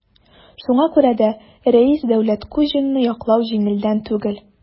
Шуңа күрә дә Рәис Дәүләткуҗинны яклау җиңелдән түгел.